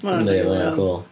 Yndi ma' hwnna'n cŵl.